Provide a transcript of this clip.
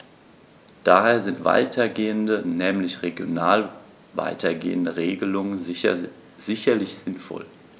Daher sind weitergehende, nämlich regional weitergehende Regelungen sicherlich sinnvoll.